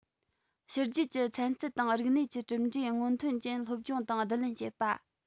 ཕྱི རྒྱལ གྱི ཚན རྩལ དང རིག གནས ཀྱི གྲུབ འབྲས སྔོན ཐོན ཅན སློབ སྦྱོང དང བསྡུ ལེན བྱེད པ